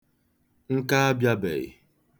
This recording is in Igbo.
Nka abịabeghị.